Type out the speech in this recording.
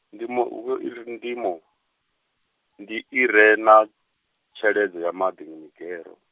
ndimo ndimo, ndi i re na, tsheledzo ya maḓi nga migero.